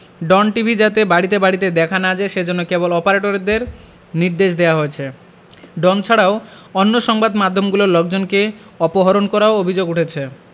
ডন TV যাতে বাড়িতে বাড়িতে দেখা না যায় সেজন্যে কেবল অপারেটরদের নির্দেশ দেওয়া হয়েছে ডন ছাড়াও অন্য সংবাদ মাধ্যমগুলোর লোকজনকে অপহরণ করাও অভিযোগ উঠেছে